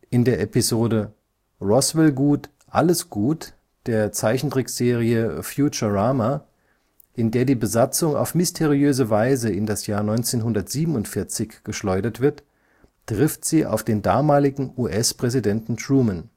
In der Episode Roswell gut – alles gut der Zeichentrickserie Futurama, in der die Besatzung auf mysteriöse Weise in das Jahr 1947 geschleudert wird, trifft sie auf den damaligen US-Präsidenten Truman